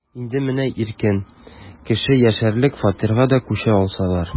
Инде менә иркен, кеше яшәрлек фатирга да күчә алсалар...